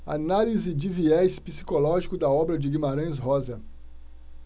análise de viés psicológico da obra de guimarães rosa